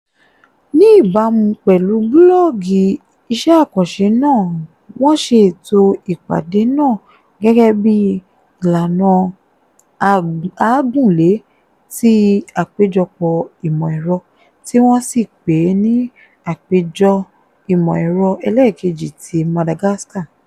Ní ìbámu pẹ̀lú búlọ́ọ̀gù iṣẹ́ àkànṣe náà wọn ṣe ètò ìpàdé náà gẹ́gẹ́ bíi ìlànà àágùnlé tí Àpéjọ Ìmọ̀ Ẹ̀rọ tí wọ́n sì pèé ní Àpéjọ Ìmọ̀ Ẹ̀rọ Elẹ́ẹ̀kejì tí Madagascar.